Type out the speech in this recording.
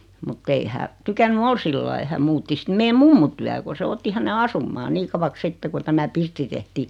mutta ei hän tykännyt olla sillä lailla hän muutti sitten meidän mummon tykö kun se otti hänen asumaan niin kauaksi sitten kun tämä pirtti tehtiin